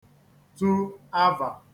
tu avà